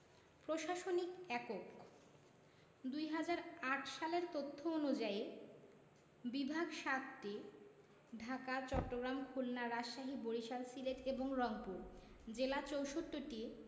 প্রশাসনিক এককঃ ২০০৮ এর তথ্য অনুযায়ী বিভাগ ৭টি ঢাকা চট্টগ্রাম খুলনা রাজশাহী বরিশাল সিলেট এবং রংপুর জেলা ৬৪টি